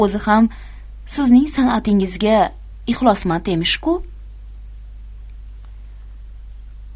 o'zi ham sizning san'atingizga ixlosmand emish ku